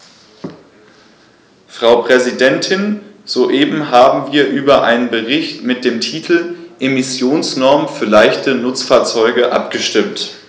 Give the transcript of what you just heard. Frau Präsidentin, soeben haben wir über einen Bericht mit dem Titel "Emissionsnormen für leichte Nutzfahrzeuge" abgestimmt.